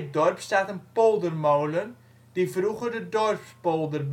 dorp staat een poldermolen, die vroeger de dorpspolder bemaalde